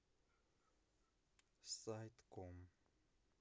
сайт ком